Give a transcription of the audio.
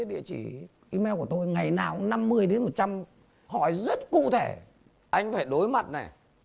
địa chỉ i meo của tôi ngày nào năm mươi đến một trăm hỏi rất cụ thể anh phải đối mặt này